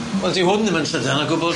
Wel dyw hwn ddim yn llydan o gwbwl...